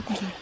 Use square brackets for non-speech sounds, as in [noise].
[hesitation] [hesitation]